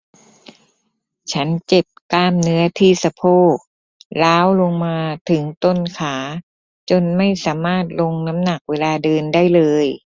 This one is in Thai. ฉันเจ็บกล้ามเนื้อที่สะโพกร้าวลงมาถึงต้นขาจนไม่สามารถลงน้ำหนักเวลาเดินได้เลย